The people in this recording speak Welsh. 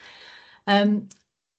Yym.